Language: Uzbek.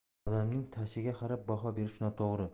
odamning tashiga qarab baho berish noto'g'ri